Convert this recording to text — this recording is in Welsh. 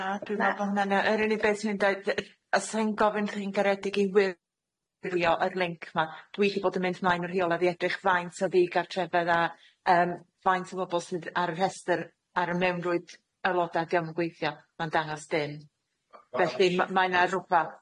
Na dwi me'wl bo' hwnna'n, yy yr unig beth sy'n deud yy yy a sai'n gofyn chi'n garedig i wir- wirio y linc ma' dwi ellu bod yn mynd mlaen y rheoladd i edrych faint o ddigartrefedd a yym faint o bobol sydd ar y rhestyr ar y mewnrwyd aeloda' diom yn gweithio, ma'n dangos dim. Felly ma' mae' na rwbath.